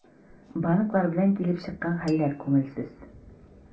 Банклар белән килеп чыккан хәлләр күңелсез.